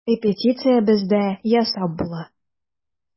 Репетиция бездә ясап була.